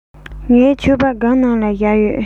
ངའི ཕྱུ པ སྒམ ནང ལ བཞག ཡོད